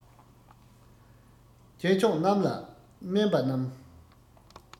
སྐྱེས མཆོག རྣམས ལ དམན པ རྣམས